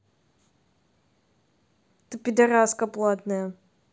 ты пидараска платная